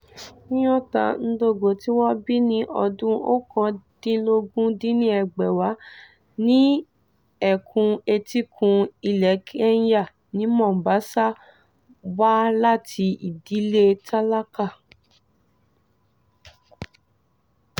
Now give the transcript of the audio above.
Nyota Ndogo tí wọ́n bí ní ọdún 1981 ní ẹkùn Etíkun ilẹ̀ Kenya ní Mombasa, wá láti ìdílé tálákà.